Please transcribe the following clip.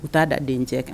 U taaa da dencɛ kan